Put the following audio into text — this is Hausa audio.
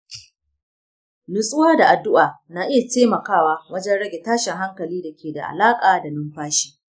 nutsuwa da addu’a na iya taimakawa wajen rage tashin hankali da ke da alaƙa da numfashi.